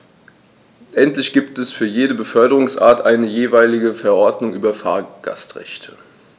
Endlich gibt es jetzt für jede Beförderungsart eine jeweilige Verordnung über Fahrgastrechte.